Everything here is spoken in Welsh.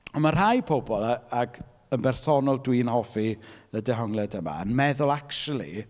Ond mae rhai pobl, a ac yn bersonol dwi'n hoffi y dehongliad yma, yn meddwl acshyli...